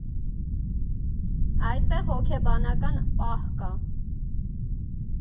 Այստեղ հոգեբանական պահ կա։